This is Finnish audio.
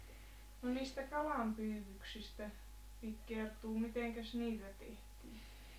no niistä kalanpyydyksistä piti kertoa mitenkäs niitä tehtiin